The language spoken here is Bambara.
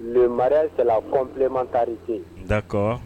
Le mariage c'est la complémentarité, d'accord